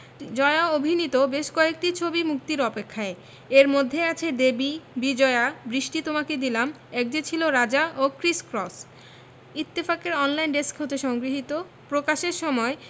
জয়া অভিনীত বেশ কয়েকটি ছবি মুক্তির অপেক্ষায় এর মধ্যে আছে দেবী বিজয়া বৃষ্টি তোমাকে দিলাম এক যে ছিল রাজা ও ক্রিস ক্রস ইত্তেফাক এর অনলাইন ডেস্ক হতে সংগৃহীত প্রকাশের সময়